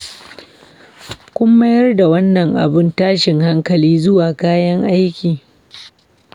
Kun mayar da wannan abun tashin hankali zuwa kayan aiki.